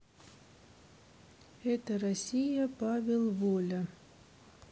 это россия павел воля